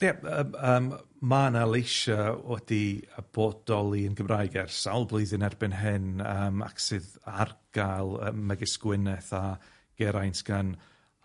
Ie, yy yym ma' 'na leisia' wedi bodoli yn Gymraeg ers sawl blwyddyn erbyn hyn, yym ac sydd ar ga'l yym megis Gwyneth a Geraint gan